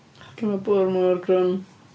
Oedd gynno fo bwrdd mawr crwn.